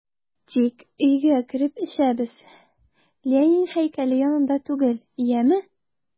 Тик өйгә кереп эчәбез, Ленин һәйкәле янында түгел, яме!